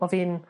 O' fi'n